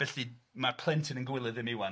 Felly, ma'r plentyn yn gywilydd iddi ŵan.